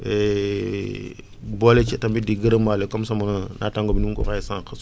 boole ci boole ci tamit di gërëmaale comme sama naataango nu mu ko waxee sànq